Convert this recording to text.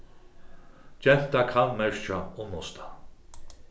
genta kann merkja unnusta